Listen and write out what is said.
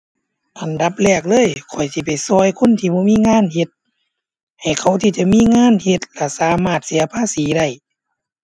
อันดับแรกเลยข้อยสิไปช่วยคนที่บ่มีงานเฮ็ด ให้เขาที่จะมีงานเฮ็ดแล้วสามารถเสียภาษีได้